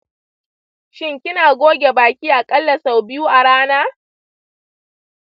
shin kina goge baki aƙalla sau biyu a rana?